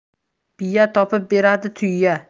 biya topib beradi tuya